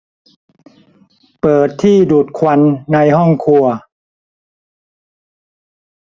เปิดที่ดูดควันในห้องครัว